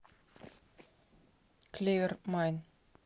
клевер майн